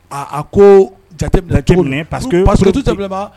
Aaa a koo jate minɛ cogo pour ne parce que pour que tout parce que tout simplement